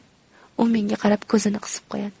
u menga qarab ko'zini qisib qo'yadi